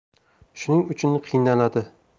shuning uchun qiynaladi